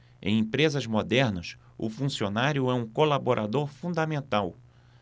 em empresas modernas o funcionário é um colaborador fundamental